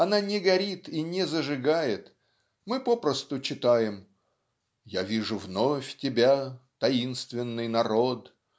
Она не горит и не зажигает. Мы попросту читаем Я вижу вновь тебя таинственный народ